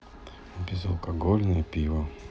безалкогольное пиво